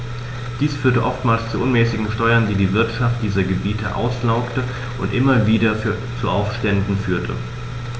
Dies führte zu oftmals unmäßigen Steuern, die die Wirtschaft dieser Gebiete auslaugte und immer wieder zu Aufständen führte.